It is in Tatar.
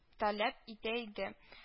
Таләп итә иде